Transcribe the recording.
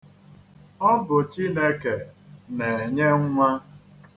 Ọ bụ Chineke na-enye nnwa.